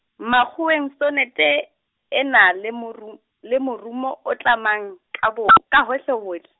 makgoweng sonete, e na le morum-, le morumo o tlamang ka bo, ka hohlehohle.